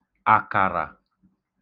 àkàrà